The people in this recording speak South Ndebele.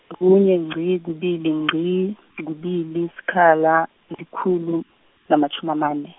kunye, ngqi, kubili, ngqi, kubili, sikhala, likhulu, namatjhumi amane.